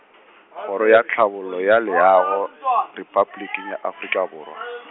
Kgoro ya Tlhabollo ya Leago, Repabliki ya Afrika Borwa.